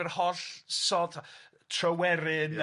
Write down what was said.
Yr sôn- Tryweryn